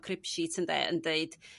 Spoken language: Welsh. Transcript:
crypt sheet ynde? Yn d'eud